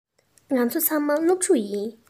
ང ཚོ ཚང མ སློབ ཕྲུག ཡིན